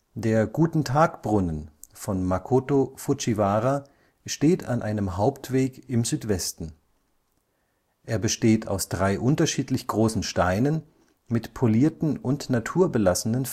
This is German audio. Der Guten-Tag-Brunnen von Makoto Fujiwara steht an einem Hauptweg im Südwesten. Er besteht aus drei unterschiedlich großen Steinen mit polierten und naturbelassenen